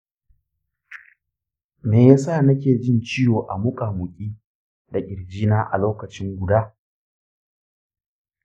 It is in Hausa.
me ya sa nake jin ciwo a muƙamuƙi da kirjina a lokaci guda?